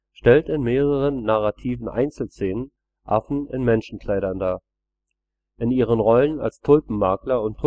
stellt in mehreren narrativen Einzelszenen Affen in Menschenkleidern dar. In ihren Rollen als Tulpenmakler und